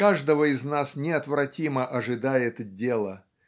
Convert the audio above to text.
каждого из нас неотвратимо ожидает дело